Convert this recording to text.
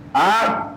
H